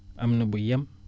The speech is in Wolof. am na bu yam